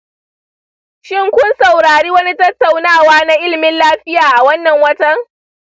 shin kun saurari wani tattaunawa na ilimin lafiya a wannan wata?